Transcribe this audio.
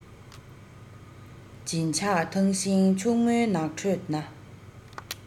བྱིན ཆགས ཐང ཤིང ཕྱུག མོའི ནགས ཁྲོད ན